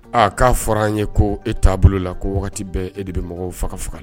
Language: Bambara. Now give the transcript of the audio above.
Aa ka fɔra an ye . Ko e taa bolo la ko wagati bɛɛ e de bɛ mɔgɔw faga faga la